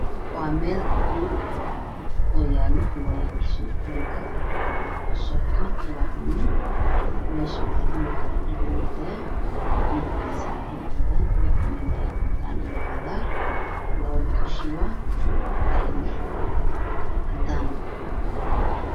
Waa meel hool yaalo